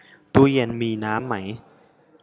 ตู้เย็นมีน้ำไหม